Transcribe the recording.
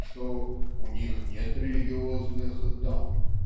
что "у них нет религиозных дам